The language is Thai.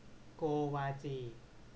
โกวาจี